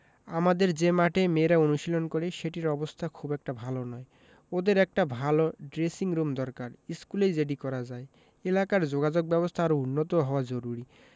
আমাদের যে মাঠে মেয়েরা অনুশীলন করে সেটির অবস্থা খুব একটা ভালো নয় ওদের একটা ভালো ড্রেসিংরুম দরকার স্কুলেই যেটি করা যায় এলাকার যোগাযোগব্যবস্থা আরও উন্নত হওয়া জরুরি